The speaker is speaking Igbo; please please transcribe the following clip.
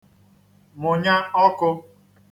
mụ̀nya ọkụ̄